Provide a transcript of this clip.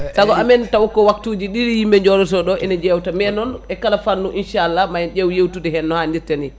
saaga amen taw ko waktuji ɗiɗi yimɓe joɗotoɗo ene jewta mais noon e kala fannu inchallah ma en ƴew yewtude hen no hannirta ni